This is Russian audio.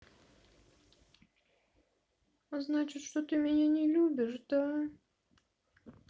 значит что ты меня не любишь да